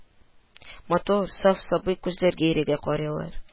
Матур, саф, сабый күзләр Гәрәйгә карыйлар